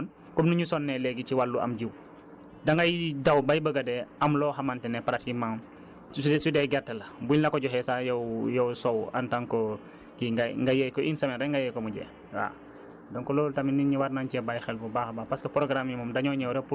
donc loolu yépp pratiques yooyu dafa nekkoon pratiques yu baax te jamono yooyu nit ñi sonnuñu woon comme ni ñu sonnee léegi ci wàllu am jiwu dangay daw bay bëgg a dee am loo xamante ne pratiquement surtout su dee gerte la buñ la ko joxee sax yow yow Sow en tant que kii ngay nga yëy ko une semaine rek nga yëy ko mu jeex waaw